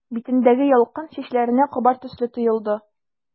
Битендәге ялкын чәчләренә кабар төсле тоелды.